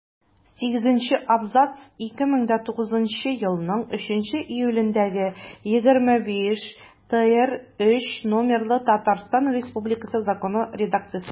Сигезенче абзац 2009 елның 3 июлендәге 25-ТРЗ номерлы Татарстан Республикасы Законы редакциясендә.